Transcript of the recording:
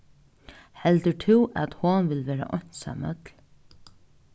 heldur tú at hon vil vera einsamøll